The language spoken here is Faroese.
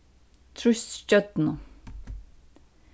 trýst stjørnu